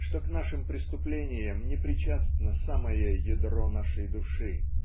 что к нашим преступлениям непричастно самое ядро нашей души